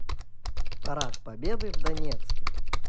парад победы в донецке